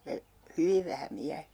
ja hyvin vähän miehiä